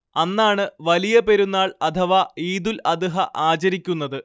അന്നാണ് വലിയ പെരുന്നാൾ അഥവാ ഈദുൽ അദ്ഹ ആചരിയ്ക്കുന്നത്